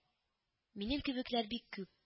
Минем кебекләр бик күп